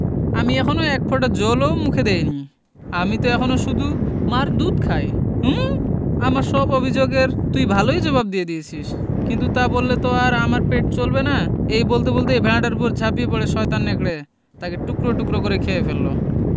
আমি এখনো এক ফোঁটা জল ও মুখে দিইনি আমি ত এখনো শুধু মার দুধ খাই হুম আমার সব অভিযোগ এর তুই ভালই জবাব দিয়ে দিয়েছিস কিন্তু তা বললে তো আর আমার পেট চলবে না এই বলতে বলতেই ভেড়াটার উপর ঝাঁপিয়ে পড়ে শয়তান নেকড়ে তাকে টুকরো টুকরো করে খেয়ে ফেলল